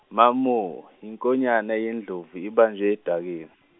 mamo, yinkonyana yendlovu ibanjwe odakeni.